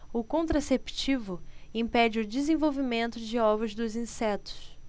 o contraceptivo impede o desenvolvimento de ovos dos insetos